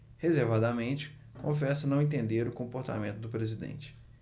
reservadamente confessa não entender o comportamento do presidente